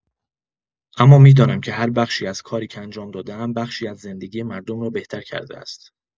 اما می‌دانم که هر بخشی از کاری که انجام داده‌ام بخشی از زندگی مردم را بهتر کرده است.